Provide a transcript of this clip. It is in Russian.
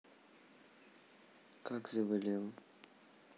как заболел